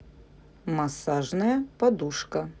массажная подушка